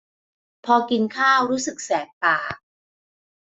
พอกินข้าวรู้สึกแสบปาก